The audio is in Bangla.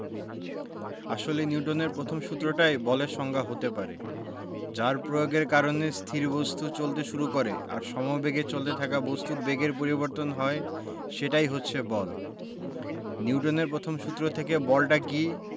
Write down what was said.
আসলে নিউটনের পথম সূত্রটাই বলের সংজ্ঞা হতে পারে যার প্রয়োগের কারণে স্থির বস্তু চলতে শুরু করে আর সমবেগে চলতে থাকা বস্তুর বেগের পরিবর্তন হয় সেটাই হচ্ছে বল নিউটনের প্রথম সূত্র থেকে বলটা কী